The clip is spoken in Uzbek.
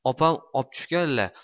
opam olib tushganlar